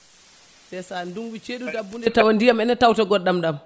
c' est ça ndugngu ceeɗu dabbude taw ndiyam ene tawta goɗɗam ɗam